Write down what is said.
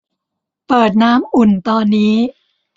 เปิดน้ำอุ่นตอนนี้